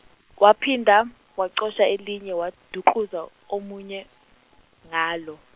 waphinda wacosha elinye wadukluza omunye, ngalo.